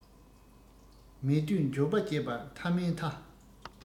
མེད དུས འགྱོད པ སྐྱེས པ ཐ མའི ཐ